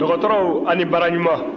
dɔgɔtɔrɔw aw ni baara ɲuman